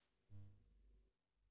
еще развлекай